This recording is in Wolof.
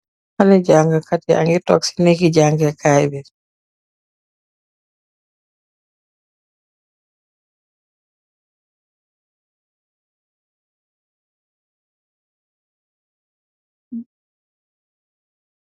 Xalèh janga kat ya ngi tóóg ci nehgi jangèè kai bi.